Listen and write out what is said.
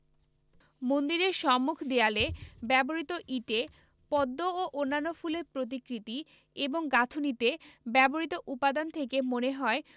মন্দিরের সম্মুখ দেয়ালে ব্যবহৃত ইটে পদ্ম ও অন্যান্য ফুলের প্রতিকৃতি এবং গাঁথুনীতে ব্যবহৃত উপাদান থেকে মনে হয়